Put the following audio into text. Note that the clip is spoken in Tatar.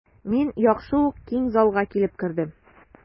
Мин яхшы ук киң залга килеп кердем.